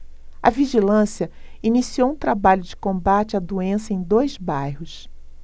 a vigilância iniciou um trabalho de combate à doença em dois bairros